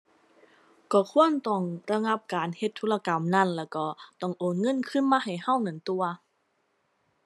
ก็ควรต้องระงับการเฮ็ดธุรกรรมนั้นแล้วก็ต้องโอนเงินคืนมาให้เรานั่นตั่ว